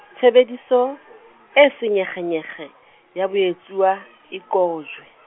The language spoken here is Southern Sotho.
tshebediso, e senyekgenyekge, ya boetsuwa, e qojwe.